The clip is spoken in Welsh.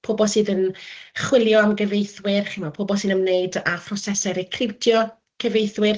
pobl sydd yn chwilio am gyfieithwyr chi'n gwybod, pobl sy'n ymwneud â phrosesau recriwtio cyfieithwyr,